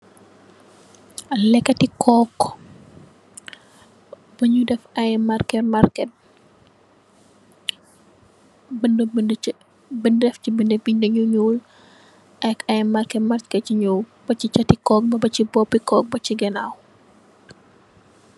Lékk ti kóóg buñ dèf ay marké marké, bindi ci bindi bindi yu ñuul ak ay marké marké ñéw ba ci cetti kóóg ba ba ci bópi kóóg ba ci ganaw.